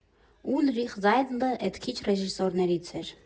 Ուլրիխ Զայդլը էդ քիչ ռեժիսորներից էր։